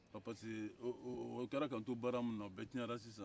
parce que o kɛra kan to baara min na o bɛɛ tiɲɛna sisan